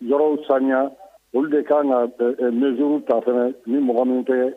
Yɔrɔw saniya olu de kaan ŋa ɛ ɛ mesure w ta fɛnɛ ni mɔgɔ minnu tɛɛ